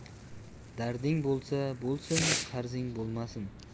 darding bo'lsa bo'lsin qarzing bo'lmasin